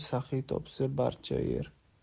saxiy topsa barcha yer